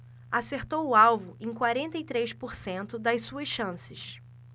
acertou o alvo em quarenta e três por cento das suas chances